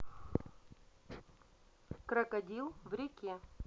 крокодил в реке